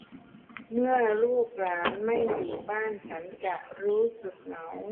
เมื่อลูกหลานไม่อยู่บ้านฉันจะรู้สึกเหงา